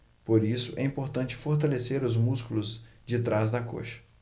por isso é importante fortalecer os músculos de trás da coxa